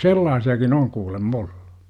sellaisiakin on kuulemma ollut